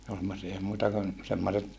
ne oli semmoisia ei muita kuin semmoiset